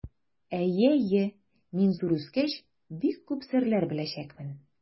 Әйе, әйе, мин, зур үскәч, бик күп серләр беләчәкмен.